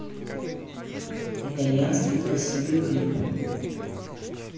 итальянские красивые клипы